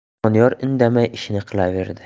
doniyor indamay ishini qilaverdi